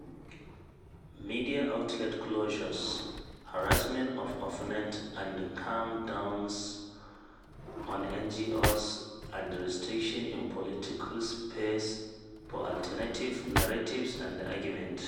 Media outlet closures, harassment of opponents, and clampdowns on NGOs and restrictions in political space for alternative narratives and arguments.